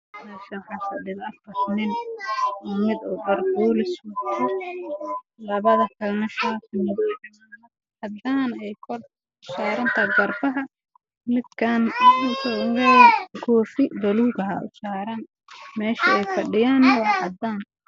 Halkaan waxaa ka muuqdo askari qabo shaati cadays iyo buluug iskugu jiro iyo koofiyad buluug ah